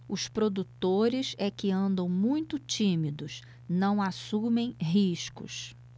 os produtores é que andam muito tímidos não assumem riscos